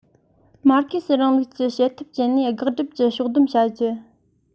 མར ཁེ སིའི རིང ལུགས ཀྱི བྱེད ཐབས སྤྱད ནས དགག སྒྲུབ ཀྱིས ཕྱོགས བསྡོམས བྱ རྒྱུ